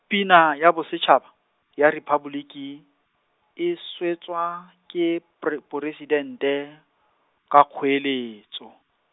pina ya bosetšhaba, ya Rephaboliki, e swetswa ke Pre- Poresidente, ka kgoeletso.